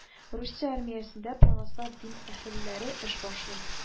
Русия армиясендә православ дин әһелләре эш башлый